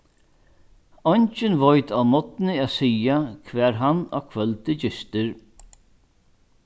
eingin veit á morgni at siga hvar hann á kvøldi gistir